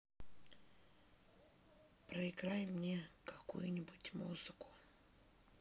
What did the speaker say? проиграй мне какую нибудь музыку